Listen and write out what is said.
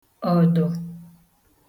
ọ̀dọ̀